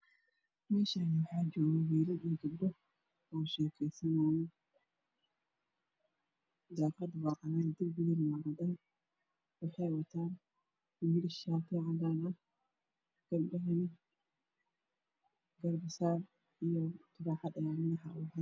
Meeshaani waxaa joogo wiilal iyo gabdho oo shekay sanaaayo jakada waa cagar derbigana waa cadan wexy waataan wiilasha shatiyo cadana gebdhahana garbasar turaxad ayaa madaxa uga xiran